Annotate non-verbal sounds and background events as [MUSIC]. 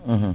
[HESITATION] [HESITATION]